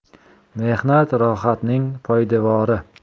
mehnat rohatning poydevori